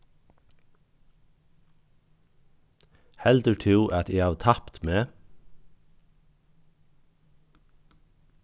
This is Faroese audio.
heldur tú at eg havi tapt meg